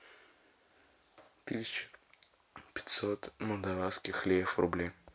тысяча пятьсот молдавских леев в рубли